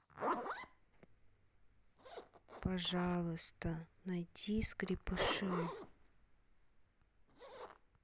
пожалуйста найди скрепыши